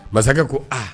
Masakɛ ko aa